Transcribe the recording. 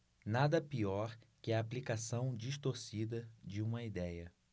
nada pior que a aplicação distorcida de uma idéia